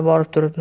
borib turibman